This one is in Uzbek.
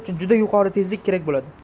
uchun juda yuqori tezlik kerak bo'ladi